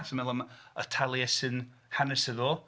Os ti'n meddwl am y Taliesin hanesyddol.